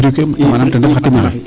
fruit ke manaam ten ref xa tima xe